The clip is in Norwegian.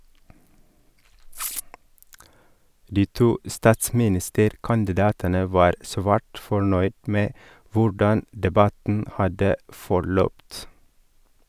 De to statsministerkandidatene var svært fornøyd med hvordan debatten hadde forløpt.